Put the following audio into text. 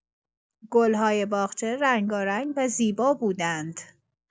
گل‌های باغچه رنگارنگ و زیبا بودند.